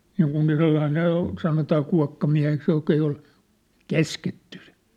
niin kuin Virolahdella oli sanotaan kuokkamieheksi joka ei ole käsketty -